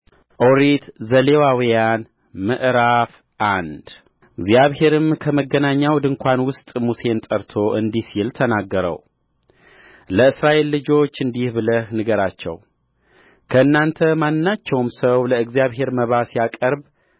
ኦሪት ዘሌዋውያን ምዕራፍ አንድ እግዚአብሔርም ከመገናኛው ድንኳን ውስጥ ሙሴን ጠርቶ እንዲህ ሲል ተናገረውለእስራኤል ልጆች እንዲህ ብለህ ንገራችው ከእናንተ ማናቸውም ሰው ለእግዚአብሔር መባ ሲያቀርብ